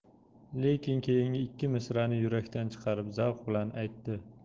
lekin keyingi ikki misrani yurakdan chiqarib zavq bilan aytdi